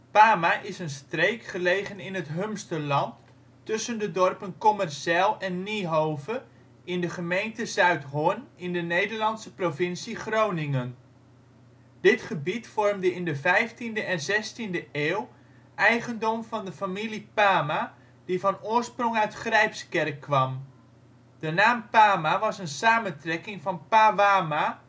Pama is een streek gelegen in het Humsterland tussen de dorpen Kommerzijl en Niehove in de gemeente Zuidhorn in de Nederlandse provincie Groningen. Dit gebied vormde in de 15e en 16e eeuw eigendom van de familie Pama, die van oorsprong uit Grijpskerk kwam. De naam ' Pama ' was een samentrekking van Pawama